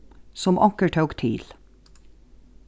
sum onkur tók til